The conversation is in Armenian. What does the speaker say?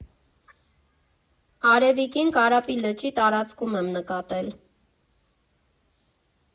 Արևիկին Կարապի լճի տարածքում եմ նկատել։